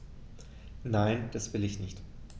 Nein, das will ich nicht.